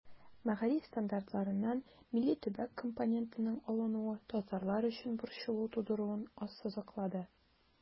Мәгариф стандартларыннан милли-төбәк компонентының алынуы татарлар өчен борчылу тудыруын ассызыклады.